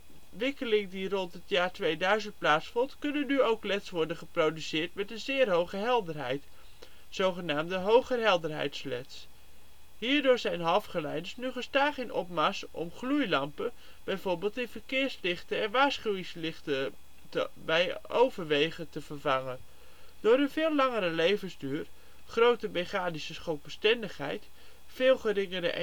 die rond het jaar 2000 plaatsvond, kunnen nu ook leds worden geproduceerd met een zeer hoge helderheid, zogenaamde hogehelderheidsleds. Hierdoor zijn deze halfgeleiders nu gestaag in opmars om gloeilampen, b.v. in verkeerslichten en waarschuwingslichten bij overwegen, te vervangen. Door hun veel langere levensduur, grote (mechanische) schokbestendigheid, veel geringere